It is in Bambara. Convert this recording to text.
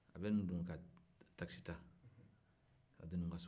a bɛ ninnu don ka takisi ta ka ta deni ka so